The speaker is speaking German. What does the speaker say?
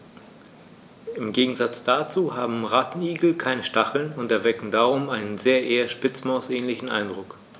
Im Gegensatz dazu haben Rattenigel keine Stacheln und erwecken darum einen eher Spitzmaus-ähnlichen Eindruck.